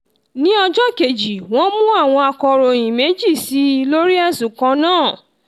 Ní ọjọ́ kejì, wọ́n mú àwọn akọ̀ròyìn méjì síi lórí ẹ̀sùn kan náà.